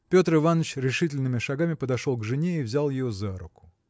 Петр Иваныч решительными шагами подошел к жене и взял ее за руку.